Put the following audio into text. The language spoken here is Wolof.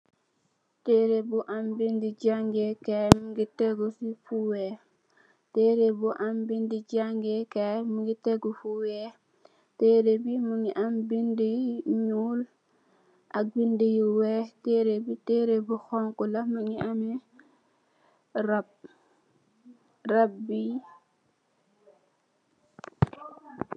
Tëëre bu am bindë jaangee kaay, mu ngi teggu si Fu weex, Tëëre bu am bindë jaangee kaay, mu ngi teggu si Fu weex. Tëëré bi mu ngi am bindë yu ñuul ak bindë yu weex. Tëëré bi tëëré bu xoñgu la, mu ngi amee rab, rab bi...